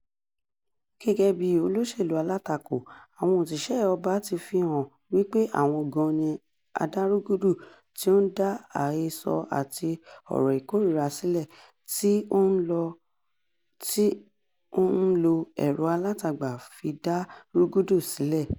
Gẹ́gẹ́ bíi olóṣèlú alátakò, àwọn òṣìṣẹ́ ọba ti fi hàn wípé àwọn gan-an ni adárúgúdù tí ó ń dá àhesọ àti ọ̀rọ̀ ìkórìíra sílẹ̀, tí ó ń lo ẹ̀rọ-alátagbà fi dá rúgúdù sílẹ̀.